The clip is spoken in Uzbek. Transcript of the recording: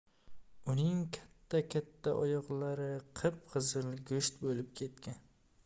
uning katta katta oyoqlari qip qizil go'sht bo'lib ketgan